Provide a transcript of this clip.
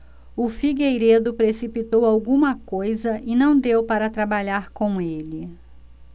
o figueiredo precipitou alguma coisa e não deu para trabalhar com ele